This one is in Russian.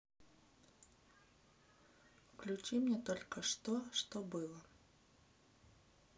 включи мне только что что было